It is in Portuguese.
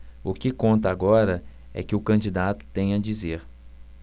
o que conta agora é o que o candidato tem a dizer